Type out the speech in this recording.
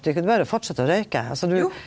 dei kunne berre fortsette å røyke altså du.